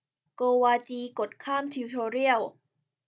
โกวาจีกดข้ามติวโตเรียล